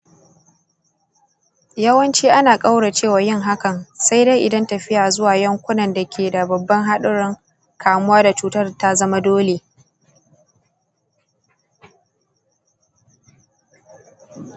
yawanci ana kauracewa yin hakan sai dai idan tafiya zuwa yankunan da ke da babban haɗarin kamuwa da cutar ta zama dole.